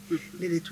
Ne